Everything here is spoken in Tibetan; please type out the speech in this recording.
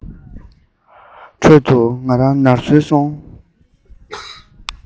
ཁྲོད དུ ང རང ནར སོན སོང